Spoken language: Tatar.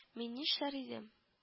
Мин нишләр идем